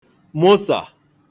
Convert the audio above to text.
mụsà